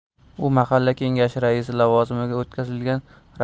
u mahalla kengashi raisi lavozimiga